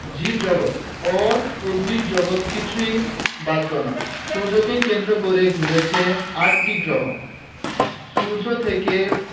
জীবজগত ও উদ্ভিদজগৎ কিছুই বাঁচত না সূর্যকে কেন্দ্র করে ঘুরছে আটটি গ্রহ সূর্য থেকে